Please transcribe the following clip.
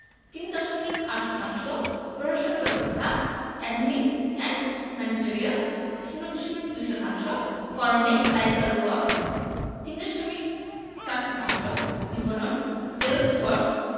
৩ দশমিক ৮ শতাংশ প্রশাসন ও ব্যবস্থাপনা এডমিন এন্ড ম্যানেজেরিয়াল ০ দশমিক ২ শতাংশ করণিক ক্ল্যারিক্যাল ওয়ার্ক্স ৩ দশমিক ৪ শতাংশ বিপণন সেলস ওয়ার্ক্স